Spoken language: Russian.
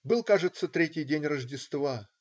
Был, кажется, третий день Рождества.